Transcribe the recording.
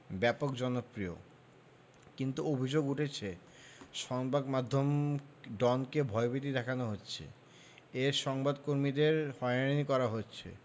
ব্যাপক জনপ্রিয় কিন্তু অভিযোগ উঠেছে সংবাদ মাধ্যম ডনকে ভয়ভীতি দেখানো হচ্ছে এর সংবাদ কর্মীদের হয়রানি করা হচ্ছে